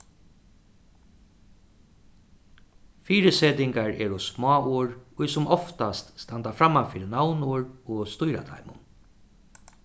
fyrisetingar eru smáorð ið sum oftast standa frammanfyri navnorð og stýra teimum